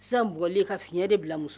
Zan bɔlen ka fiɲɛ de bila muso